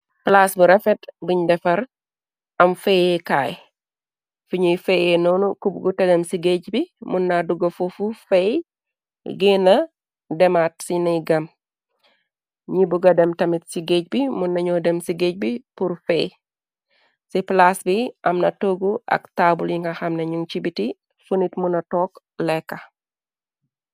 Plaas bu refet buñ defar am feeyeekaay fi ñuy feeye noonu kubgu telem ci géej bi munna dugga fuufu feey geena demaat ci nay gam ñi buga dem tamit ci géej bi mun nañoo dem ci géej bi pur fey ci plaas bi amna toggu ak taabul yi nga xamna ñuŋ cibiti funit muna toog lekka.